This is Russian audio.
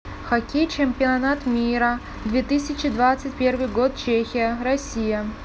хоккей чемпионат мира две тысячи двадцать первый год чехия россия